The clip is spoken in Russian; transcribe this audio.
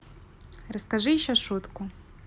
расскажи еще шутку